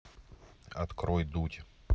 открой дудь